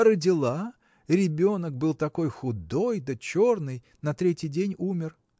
– Родила: ребенок был такой худой да черный! на третий день умер.